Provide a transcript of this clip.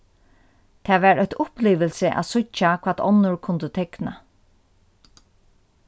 tað var eitt upplivilsi at síggja hvat onnur kundu tekna